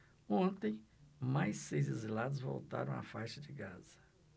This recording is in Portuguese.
ontem mais seis exilados voltaram à faixa de gaza